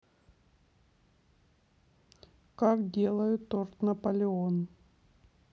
как делают торт наполеон